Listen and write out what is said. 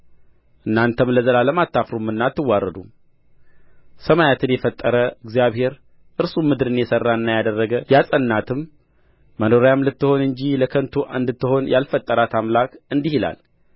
እናንተም ለዘላለም አታፍሩምና አትዋረዱም ሰማያትን የፈጠረ እግዚአብሔር እርሱም ምድርን የሠራና ያደረገ ያጸናትም መኖሪያም ልትሆን እንጂ ለከንቱ እንድትሆን ያልፈጠራት አምላክ እንዲህ ይላል